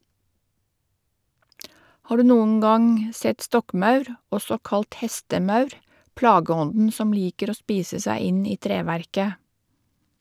Har du noen gang sett stokkmaur, også kalt hestemaur, plageånden som liker å spise seg inn i treverket?